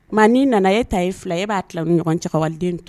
Maa'i nana e ta ye fila e b'a tila ni ɲɔgɔn cɛkawaleden to